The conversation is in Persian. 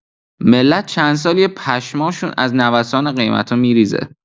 ملت چندسالیه پشماشون از نوسان قیمتا می‌ریزه